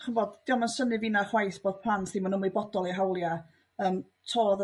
chi'm bod dio'm yn synnu finna' chwaith bod plant ddim yn ymwybodol o'u hawlia' yym to'dd yr